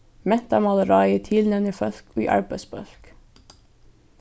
mentamálaráðið tilnevnir fólk í arbeiðsbólk